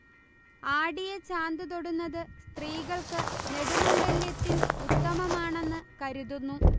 ആടിയ ചാന്ത് തൊടുന്നത് സ്ത്രീകൾക്ക് നെടുമംഗല്യത്തിൻ ഉത്തമമാണെന്ന് കരുതുന്നു